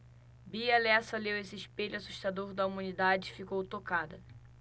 bia lessa leu esse espelho assustador da humanidade e ficou tocada